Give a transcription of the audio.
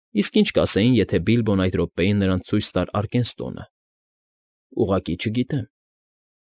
Իսկ ինչ կասեին, եթե Բիլբոն այդ րոպեին նրանց ցույց տար Արկենստոնը, ուղղակի չգիտեմ։